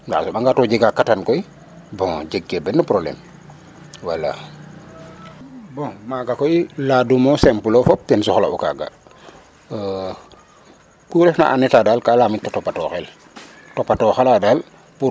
Ndaa a soɓanga to jega katan koy bon jegkee ben problème voila bon maega koy laadum o simple o fop ten soxla'u kaaga ku refna en état daal ka lamit topatoxel topatooxa la daal.